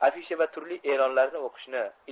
afisha va turli e'lonlarni o'qishni